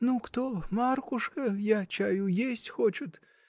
— Ну, кто — Маркушка: я чаю, есть хочет.